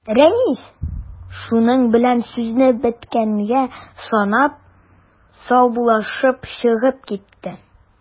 Рәнис, шуның белән сүзне беткәнгә санап, саубуллашып чыгып китте.